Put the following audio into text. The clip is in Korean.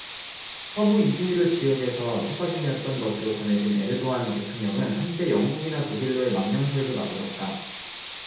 서부 이즈미르 지역에서 휴가 중이었던 것으로 전해진 에르도안 대통령은 한때 영국이나 독일로의 망명설도 나돌았다